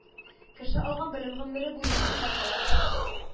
Кеше алган белем гомере буе үзендә кала